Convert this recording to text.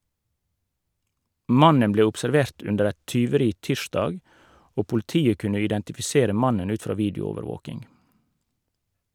Mannen ble observert under et tyveri tirsdag og politiet kunne identifisere mannen ut fra videoovervåking.